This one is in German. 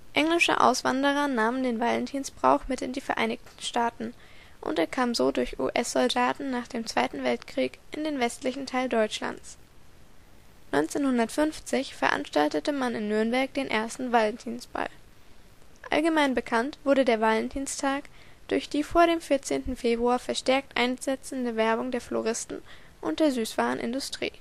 Englische Auswanderer nahmen den Valentinsbrauch mit in die Vereinigten Staaten und er kam so durch US-Soldaten nach dem Zweiten Weltkrieg in den westlichen Teil Deutschlands; 1950 veranstaltete man in Nürnberg den ersten „ Valentinsball “. Allgemein bekannt wurde der Valentinstag durch die vor dem 14. Februar verstärkt einsetzende Werbung der Floristen und der Süßwarenindustrie